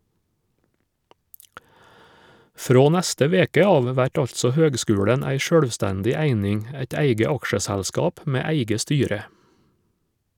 Frå neste veke av vert altså høgskulen ei sjølvstendig eining, eit eige aksjeselskap med eige styre.